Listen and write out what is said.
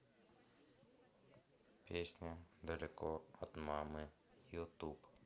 песня далеко от мамы ютуб